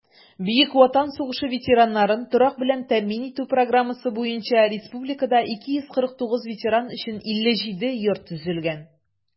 Бөек Ватан сугышы ветераннарын торак белән тәэмин итү программасы буенча республикада 249 ветеран өчен 57 йорт төзелгән.